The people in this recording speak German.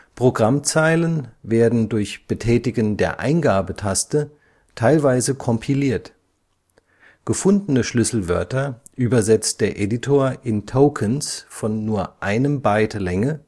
Programmzeilen werden durch Betätigen der Eingabe-Taste („ Return “) teilweise kompiliert – gefundene Schlüsselwörter übersetzt der Editor in Tokens von nur einem Byte Länge